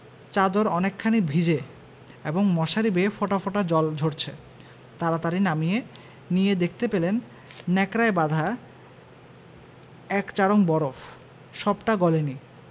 চাদর অনেকখানি ভিজে এবং মশারি বেয়ে ফোঁটা ফোঁটা জল ঝরছে তাড়াতাড়ি নামিয়ে নিয়ে দেখতে পেলেন ন্যাকড়ায় বাঁধা এক চাড়ং বরফ সবটা গলেনি